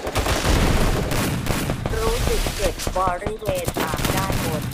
รู้สึกเจ็บบริเวณปากด้านบน